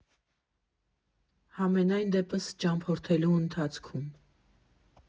Համենայնդեպս ճամփորդելու ընթացքում։